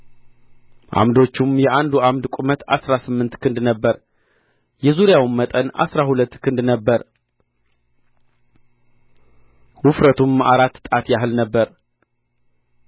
ዓምዶቹም የአንዱ ዓምድ ቁመት አሥራ ስምንት ክንድ ነበረ የዙሪያውም መጠን አሥራ ሁለት ክንድ ነበረ ውፍረቱም አራት ጣት ያህል ነበረ